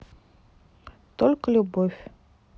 только любовь